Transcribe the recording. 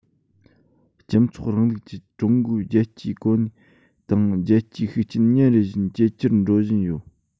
སྤྱི ཚོགས རིང ལུགས ཀྱི ཀྲུང གོའི རྒྱལ སྤྱིའི གོ གནས དང རྒྱལ སྤྱིའི ཤུགས རྐྱེན ཉིན རེ བཞིན ཇེ ཆེར འགྲོ བཞིན ཡོད